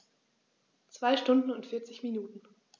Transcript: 2 Stunden und 40 Minuten